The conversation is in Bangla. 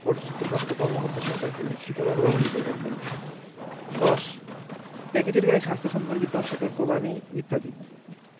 কর্তৃত্বপ্রাপ্ত কর্মকর্তা সরকারকে লিখিতভাবে অবহিত করিবেন ১০ প্যাকেটের গায়ে স্বাস্থ্য সম্পর্কিত সতর্কবাণী ইত্যাদি